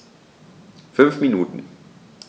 5 Minuten